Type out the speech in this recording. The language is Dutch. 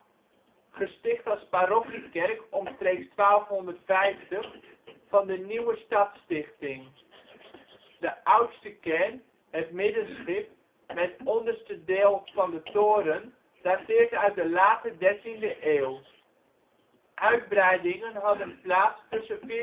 Gesticht als parochiekerk omstreeks 1250 van de nieuwe stadsstichting. De oudste kern (middenschip) met onderste deel van de toren dateert uit de late 13e eeuw. Uitbreidingen hadden plaats tussen 1439